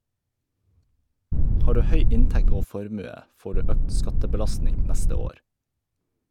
Har du høy inntekt og formue, får du økt skattebelastning neste år.